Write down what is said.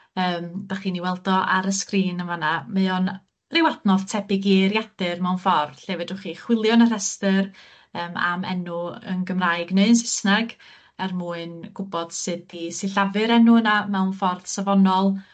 yym 'dach chi'n 'i weld o ar y sgrin yn fan 'na, mae o'n ryw adnodd tebyg i eiriadur mewn ffordd lle fedrwch chi chwilio yn y rhestyr yym am enw yn Gymraeg ne' yn Sysneg er mwyn gwbod sut i sillafu'r enw yna mewn ffordd safonol